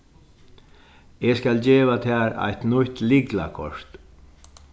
eg skal geva tær eitt nýtt lyklakort